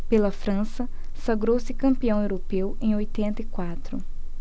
pela frança sagrou-se campeão europeu em oitenta e quatro